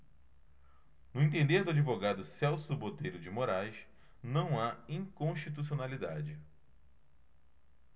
no entender do advogado celso botelho de moraes não há inconstitucionalidade